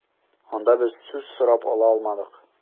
Анда без сүз сорап ала алмадык.